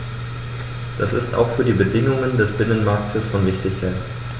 Das ist auch für die Bedingungen des Binnenmarktes von Wichtigkeit.